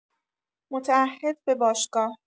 متعهد به باشگاه